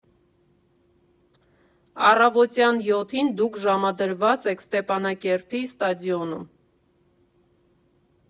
Առավոտյան յոթին դուք ժամադրված եք Ստեփանակերտի ստադիոնում։